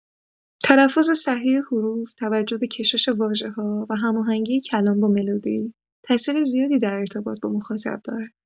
تلفظ صحیح حروف، توجه به کشش واژه‌ها و هماهنگی کلام با ملودی، تاثیر زیادی در ارتباط با مخاطب دارد.